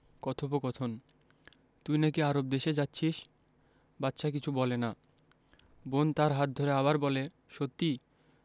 কথোপকথন তুই নাকি আরব দেশে যাচ্ছিস বাদশা কিছু বলে না বোন তার হাত ধরে আবার বলে সত্যি